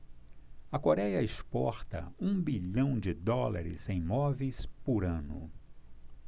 a coréia exporta um bilhão de dólares em móveis por ano